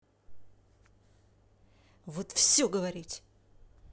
вот все говорить